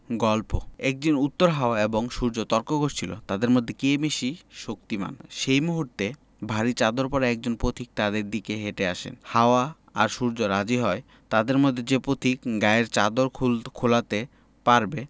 গল্প একদিন উত্তর হাওয়া এবং সূর্য তর্ক করছিল তাদের মধ্যে কে বেশি শক্তিমান সেই মুহূর্তে ভারি চাদর পরা একজন পথিক তাদের দিকে হেটে আসেন হাওয়া আর সূর্য রাজি হয় তাদের মধ্যে যে পথিক গায়ের চাদর খোলাতে পারবে